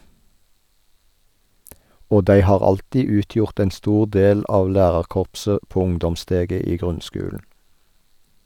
Og dei har alltid utgjort ein stor del av lærarkorpset på ungdomssteget i grunnskulen.